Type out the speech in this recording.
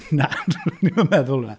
Na do'n i'm yn meddwl 'na.